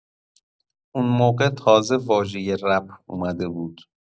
اون موقع تازه واژه «رپ» اومده بود.